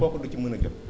kooku du ci mën a jot